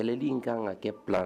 Kɛlɛlɛli in ka kan ka kɛ pan